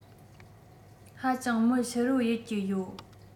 ཧ ཅང མི ཕྱི རོལ ཡུལ གྱི ཡོད